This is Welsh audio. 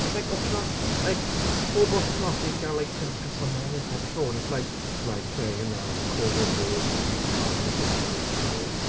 It's like wythnos like pob wythnos ni 'di cael like pump person newydd pob tro. And it's like... "Right 'kay" you know? Covid rules, six feet apart, only six in a group please.